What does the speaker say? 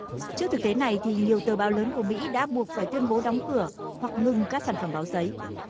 trước thực tế này thì nhiều tờ báo lớn của mỹ đã buộc phải tuyên bố đóng cửa hoặc ngừng các sản phẩm báo giấy